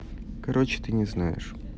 короче ты не знаешь